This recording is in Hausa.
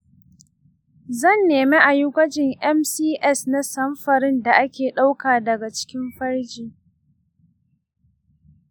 zan nemi a yi gwajin mcs na samfurin da aka ɗauka daga cikin farji.